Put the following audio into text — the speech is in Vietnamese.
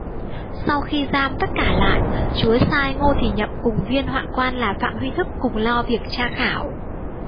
sau khi giam tất cả lại chúa sai ngô thì nhậm cùng viên hoạn quan là phạm huy thức cùng lo việc tra khảo